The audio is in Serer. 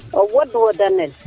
o wod woda nel